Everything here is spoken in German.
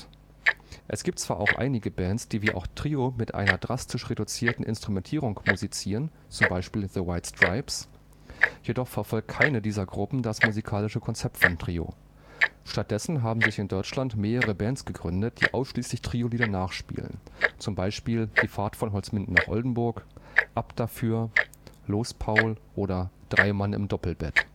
zwar einige Bands, die wie auch Trio mit einer drastisch reduzierten Instrumentierung musizieren (z. B. The White Stripes), jedoch verfolgte keine dieser Gruppen das musikalische Konzept von Trio. Stattdessen haben sich in Deutschland mehrere Bands gegründet, die ausschließlich Trio-Lieder nachspielen (z. B. „ Die Fahrt von Holzminden nach Oldenburg “,„ Ab dafür “,„ Los Paul “oder „ Drei Mann im Doppelbett